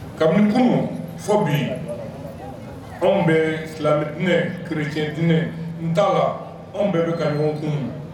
Kabinikun fɔ bi anw bɛ silamɛinɛ kerectinɛ n taara anw bɛ bɛ ka ɲɔgɔn kun